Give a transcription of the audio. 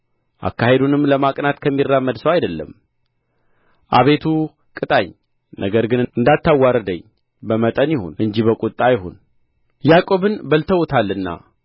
አካሄዱንም ለማቅናት ከሚራመድ ሰው አይደለም አቤቱ ቅጣኝ ነገር ግን እንዳታዋርደኝ በመጠን ይሁን እንጂ በቍጣ አይሁን ያዕቆብን በልተውታልና